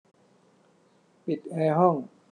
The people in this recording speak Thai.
ปิดแอร์ห้อง